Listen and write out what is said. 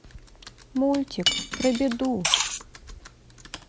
мультик про беду